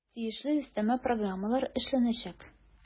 Тиешле өстәмә программалар эшләнәчәк.